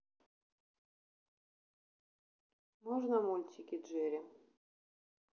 можно мультики джерри